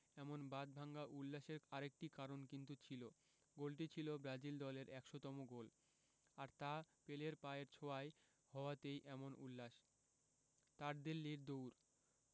এমন বাঁধভাঙা উল্লাসের আরেকটি কারণ কিন্তু ছিল গোলটি ছিল ব্রাজিল দলের ১০০তম গোল আর তা পেলের পায়ের ছোঁয়ায় হওয়াতেই এমন উল্লাস তারদেল্লির দৌড়